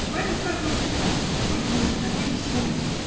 -- Барин, сказывают, прекрасный: такой добрый, такой веселый.